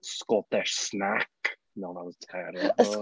Scottish snack. No, that was terrible.